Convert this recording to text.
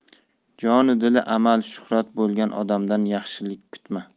jonu dili amal shuhrat bo'lgan odamdan yaxshilik kutma